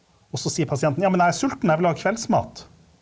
også sier pasienten ja, men jeg er sulten, jeg vil ha kveldsmat.